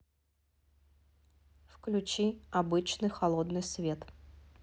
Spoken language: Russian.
включи обычный холодный свет